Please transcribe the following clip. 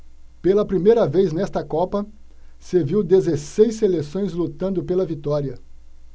pela primeira vez nesta copa se viu dezesseis seleções lutando pela vitória